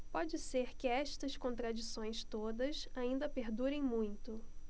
pode ser que estas contradições todas ainda perdurem muito